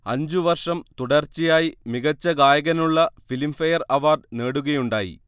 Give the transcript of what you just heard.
അഞ്ചുവർഷം തുടർച്ചയായി മികച്ചഗായകനുള്ള ഫിലിംഫെയർ അവാർഡ് നേടുകയുണ്ടായി